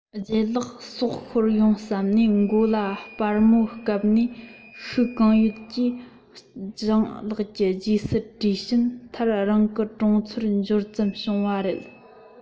ལྗད ལགས སྲོག ཤོར ཡོང བསམ ནས མགོ ལ སྦར མོ བཀབ ནས ཤུགས གང ཡོད ཀྱིས སྤྱང ལགས ཀྱི རྗེས སུ བྲོས ཕྱིན མཐར རང གི གྲོང ཚོར འབྱོར ཙམ བྱུང བ རེད